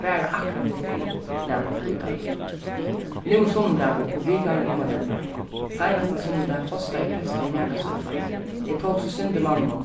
bara akkurát fylgt við læt ofta í teimum nú er sunnudagur og vikan er um at enda seinasta sunnudag hostaði prestur nakað so illa eg tók so synd í manninum